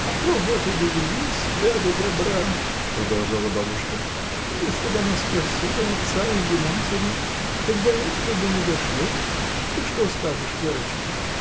— А то вот и довели себя до добра, — продолжала бабушка, — если б она спросила отца или матери, так до этого бы не дошло. Ты что скажешь, Верочка?